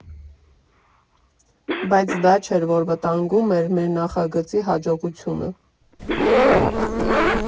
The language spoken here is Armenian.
֊ Բայց դա չէր, որ վտանգում էր մեր նախագծի հաջողությունը։